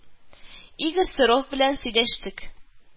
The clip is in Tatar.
Игорь Сыров белән сөйләштек